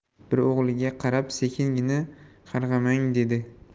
bir o'g'liga qarab sekingina qarg'amang dedi